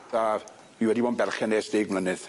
A fi wedi bod yn berchen e ers deg mlynedd.